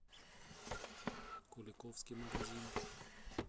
куликовский магазин